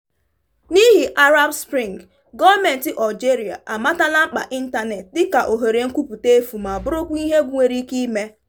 N'ihi Arab Spring, gọọmentị Algeria amatala mkpa ịntaneetị, dịka ohere nkwupụta efu ma bụrụkwa ihe egwu nwere ike ime.